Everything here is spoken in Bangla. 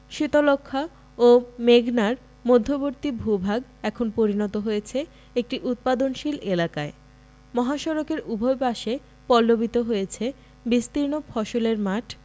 শীতলক্ষ্যা ও মেঘনার মধ্যবর্তী ভূভাগ এখন পরিণত হয়েছে একটি উৎপাদনশীল এলাকায় মহাসড়কের উভয় পাশে পল্লবিত হয়েছে বিস্তীর্ণ ফসলের মাঠ